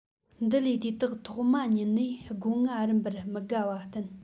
འདི ལས དེ དག ཐོག མ ཉིད ནས སྒོ ང རུམ པར མི དགའ བ བསྟན